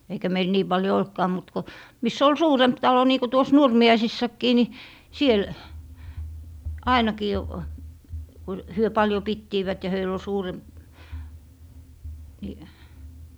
eikä meillä niin paljon ollutkaan mutta kun missä oli suurempi talo niin kuin tuossa Nurmiaisissakin niin siellä ainakin kun he paljon pitivät ja heillä oli suurempi niin